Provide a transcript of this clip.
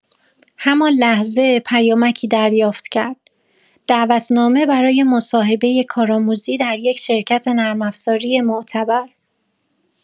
همان لحظه پیامکی دریافت کرد: دعوت‌نامه برای مصاحبه کارآموزی در یک شرکت نرم‌افزاری معتبر.